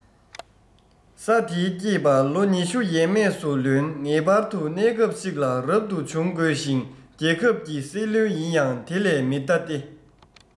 ས དེའི སྐྱེས པ ལོ ཉི ཤུ ཡས མས སུ ལོན ངེས པར དུ གནས སྐབས ཤིག ལ རབ ཏུ བྱུང དགོས ཤིང རྒྱལ ཁབ ཀྱི སྲིད བློན ཡིན ཡང དེ ལས མི འདའ སྟེ